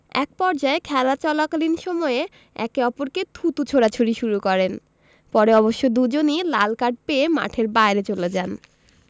একপর্যায়ে খেলা চলাকালীন সময়েই একে অপরকে থুতু ছোড়াছুড়ি শুরু করেন পরে অবশ্য দুজনই লাল কার্ড পেয়ে মাঠের বাইরে চলে যান